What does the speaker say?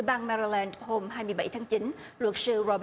bang ma rô len hôm hai mươi bảy tháng chín luật sư rô